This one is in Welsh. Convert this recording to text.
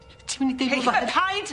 Ti'n myn' i deud wbath? Hei py- paid!